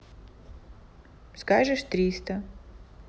скажешь триста